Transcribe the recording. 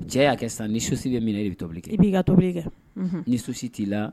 Cɛ y'a kɛ san nisusi bɛ minɛ i bɛ tobili kɛ i b'i ka tobili i kɛ nisusi t'i la